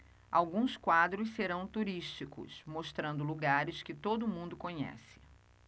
alguns quadros serão turísticos mostrando lugares que todo mundo conhece